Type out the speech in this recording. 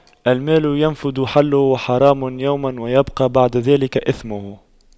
المال ينفد حله وحرامه يوماً ويبقى بعد ذلك إثمه